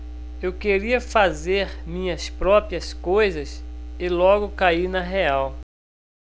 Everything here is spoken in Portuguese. eu queria fazer minhas próprias coisas e logo caí na real